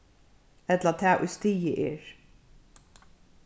ella tað ið stigið er